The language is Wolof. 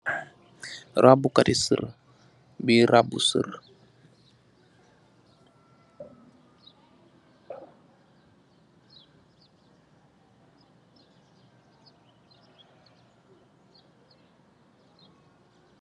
Rabuxatti sèr bui rabi sèr.